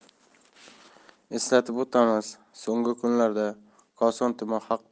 eslatib o'tamiz so'nggi kunlarda koson tuman xalq